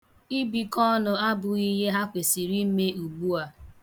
Ibikọ ọnụ abụghị ihe ha kwesịrị ime ugbu a.